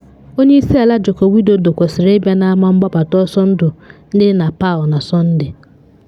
Onye Isi Ala Joko Widodo kwesịrị ịbịa n’ama mgbabata ọsọ ndụ ndị dị na Palu na Sọnde.